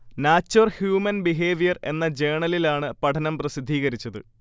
'nature human behaviour' എന്ന ജേണലിലാണ് പഠനം പ്രസിദ്ധീകരിച്ചത്